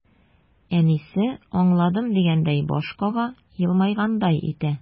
Әнисе, аңладым дигәндәй баш кага, елмайгандай итә.